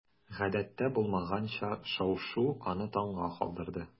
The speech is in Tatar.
Гадәттә булмаганча шау-шу аны таңга калдырды.